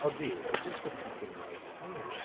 Ydi you're just repeating what I'm saying.